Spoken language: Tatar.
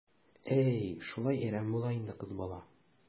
Әй, шулай әрәм була инде кыз бала.